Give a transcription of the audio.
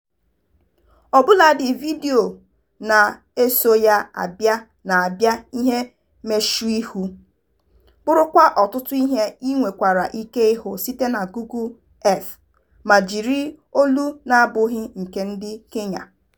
Ọbụladị vidiyo na-eso ya abịa na-abụ ihe mmechuihu: bụrụkwa ọtụtụ ihe i nwekwara ike ịhụ site na Google Earth, ma jiri olu na-abụghị nke ndị Kenya.